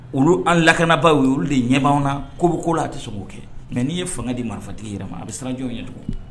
Olu an lakanabaa ye olu de ɲɛmaw na ko ko a tɛ sɔn k'o kɛ mɛ n'i ye fanga di marifatigi yɛrɛ ma a bɛ siran jɔn ye tugun